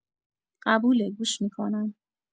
قبوله گوش می‌کنم.